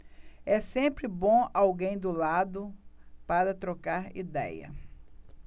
é sempre bom alguém do lado para trocar idéia